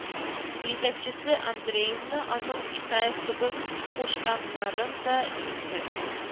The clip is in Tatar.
Җитәкчесе андреевны, аның исаев кебек куштаннарын да исенә